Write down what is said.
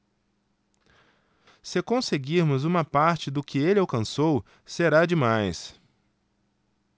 se conseguirmos uma parte do que ele alcançou será demais